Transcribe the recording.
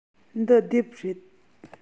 འདི དེབ རེད